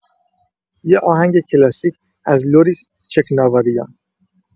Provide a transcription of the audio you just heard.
یه آهنگ کلاسیک از لوریس چکناواریان